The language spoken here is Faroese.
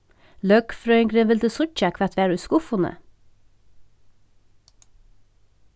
løgfrøðingurin vildi síggja hvat var í skuffuni